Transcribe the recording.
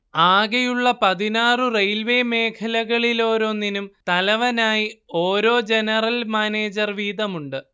ആകെയുള്ള പതിനാറു റെയിൽവേ മേഖലകളിലോരോന്നിനും തലവനായി ഓരോ ജനറൽ മാനേജർ വീതമുണ്ട്